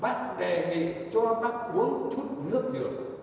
bác đề nghị cho tắc uống chút nước dừa